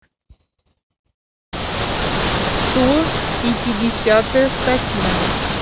сто пятидесятая статья